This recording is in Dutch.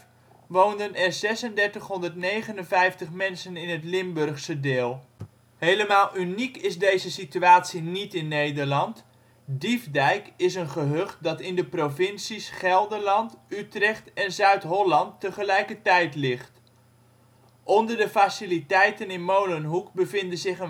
woonden er 3659 mensen in het Limburgse deel. Helemaal uniek is deze situatie niet in Nederland. Diefdijk is een gehucht dat in de provincies Gelderland, Utrecht en Zuid-Holland tegelijkertijd ligt. Onder de faciliteiten in Molenhoek bevinden zich